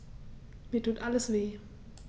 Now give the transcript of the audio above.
Mir tut alles weh.